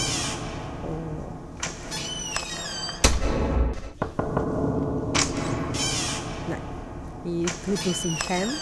Og nei i to tusen fem.